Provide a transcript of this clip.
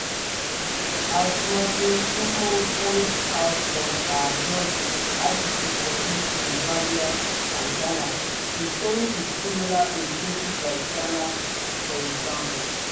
As Martine Koopman points out on her blog ICT4D in Zambia and Ghana, the story is similar in places like Ghana, for example.